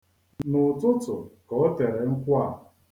N'ụtụtụ ka o tere nkwụ a.